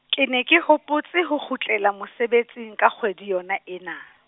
ke ne ke hopotse ho kgutlela mosebetsing ka kgwedi yona ena.